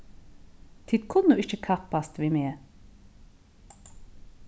tit kunnu ikki kappast við meg